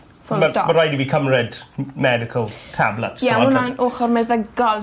Full stop. Ma' ma' raid i fi cymryd m- medical tablets* ... Ie on' ma' 'wnna'n ochor meddygol...